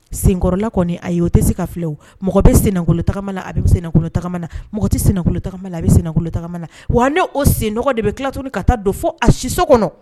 Senkɔrɔla kɔni a ye' o tɛ se ka filɛ o mɔgɔ bɛ sentaa a bɛ senkolotaa mɔgɔ tɛ sentaa a bɛ senkolotaama na wa ne o sen dɔgɔ de bɛ tilatu ka taa don fo a siso kɔnɔ